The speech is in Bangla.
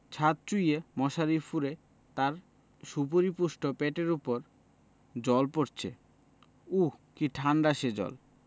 ছাদ চুঁইয়ে মশারি ফুঁড়ে তাঁর সুপরিপুষ্ট পেটের উপর জল পড়চে উঃ কি ঠাণ্ডা সে জল